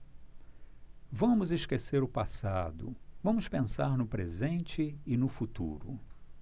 vamos esquecer o passado vamos pensar no presente e no futuro